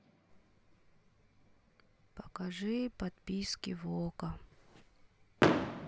покажи подписки в окко